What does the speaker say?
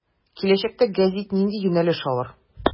Киләчәктә гәзит нинди юнәлеш алыр.